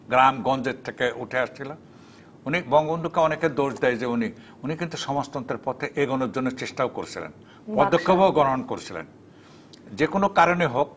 গ্রাম গঞ্জে থেকে উঠে আসছিল উনি বঙ্গবন্ধুকে অনেকে দোষ দেয় যে উনি উনি কিন্তু সমাজতন্ত্রের পথে এগুনোর জন্য চেষ্টাও করে ছিলেন পদক্ষেপও গ্রহণ করেছিলেন যে কোনো কারণে হোক